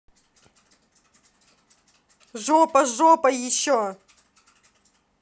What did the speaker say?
жопажопа еще